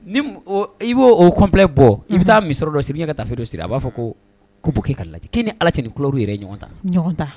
Ni m o i b'o o complet bɔ i bɛ taa musɔrɔ dɔ siri ou bien ka tafe dɔ siri a b'a fɔ ko bon ko e ka ni lajɛ e ni ala cɛ ko ni couleurs kulɔruw yɛrɛ ye ɲɔgɔn ta? Ɲɔgɔn ta.